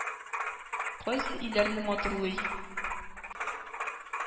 Кайсы илләрне матурлый,